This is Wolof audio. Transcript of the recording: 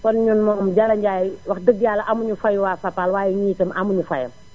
kon ñun moom Jalle Ndiaye wax dëgg Yàlla amuñu fayu waa Fapal waaye ñun itam amuñu fayam